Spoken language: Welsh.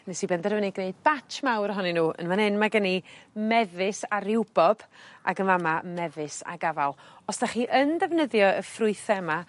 nes i benderfynu gneud batch mawr ohonyn n'w yn fan 'yn ma' gen i mefus a riwbob ac yn fa' 'ma mefus ag afal. Os 'dach chi yn defnyddio y ffrwythe yma